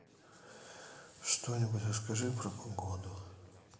что нибудь расскажи про погоду